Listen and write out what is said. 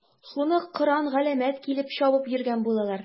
Шуны кыран-галәмәт килеп чабып йөргән булалар.